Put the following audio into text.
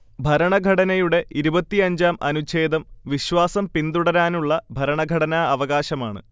ഭരണഘടനയുടെ ഇരുപത്തിയഞ്ച-ാം അനുചേ്ഛദം വിശ്വാസം പിന്തുടരാനുള്ള ഭരണഘടനാ അവകാശമാണ്